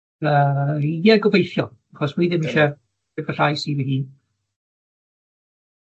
Na, ie gobeithio, achos dwi ddim isie llais i fy hun.